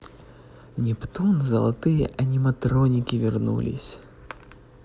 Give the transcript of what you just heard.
нептун золотые аниматроники вернулись